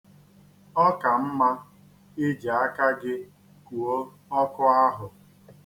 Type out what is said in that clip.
Ọ ka mma iji aka gị kuo ọkụ ahụ.